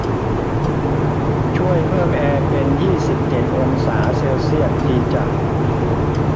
ช่วยเพิ่มแอร์เป็นยี่สิบเจ็ดองศาเซลเซียสทีจ้ะ